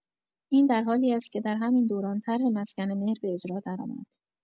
این درحالی است که در همین دوران، طرح مسکن مهر به اجرا درآمد.